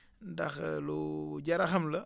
ndax lu jar a xam la